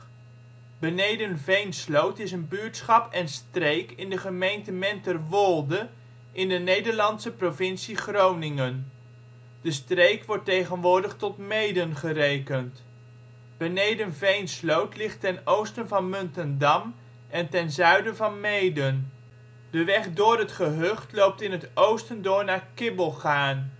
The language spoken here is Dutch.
buurtschap en streek in de gemeente Menterwolde in de Nederlandse provincie Groningen. De streek wordt tegenwoordig tot Meeden gerekend. Beneden Veensloot ligt ten oosten van Muntendam en ten zuiden van Meeden. De weg door het gehucht loopt in het oosten door naar Kibbelgaarn